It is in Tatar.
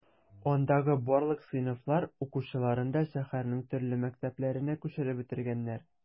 Андагы барлык сыйныфлар укучыларын да шәһәрнең төрле мәктәпләренә күчереп бетергәннәр.